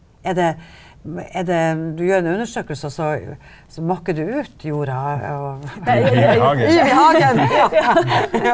er det er det du gjør en undersøkelse og så så måker du ut jorda og i hagen ja.